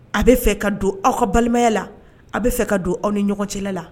A bɛ fɛ ka don aw ka balimaya la a bɛ fɛ ka don aw ni ɲɔgɔn cɛla la